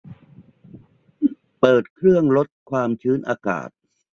เปิดเครื่องลดความชื้นอากาศ